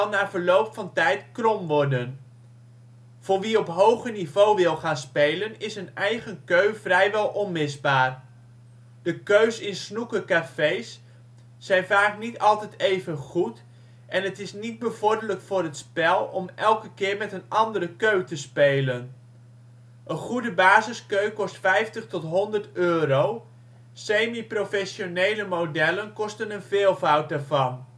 na verloop van tijd krom worden. Voor wie op hoger niveau wil gaan spelen, is een eigen keu vrijwel onmisbaar. De keus in snookercafés zijn vaak niet altijd even goed en het is niet bevorderlijk voor het spel om elke keer met een andere keu te spelen. Een goede basiskeu kost 50 tot 100 euro, (semi -) professionele modellen kosten een veelvoud daarvan